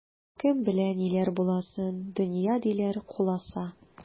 Кем белә ниләр буласын, дөнья, диләр, куласа.